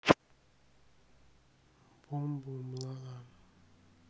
бум бум ла ла